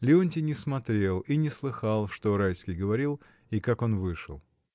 Леонтий не смотрел и не слыхал, что Райский говорил и как он вышел.